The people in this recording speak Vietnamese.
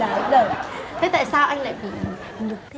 đáng đời thế tại sao anh lại bị nhục thế ạ